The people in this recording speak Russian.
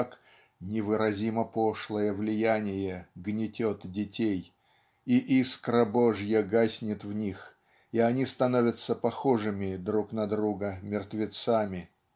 как "невыразимо пошлое влияние гнетет детей и искра Божья гаснет в них и они становятся похожими друг на друга мертвецами".